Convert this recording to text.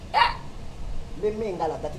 N bi min kala da ti